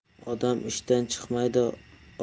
odam ishdan chiqmaydi